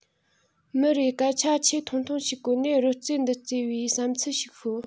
མི རེས སྐད ཆ ཆེས ཐུང ཐུང ཞིག བཀོལ ནས རོལ རྩེད འདི རྩེས པའི བསམ ཚུལ ཞིག ཤོད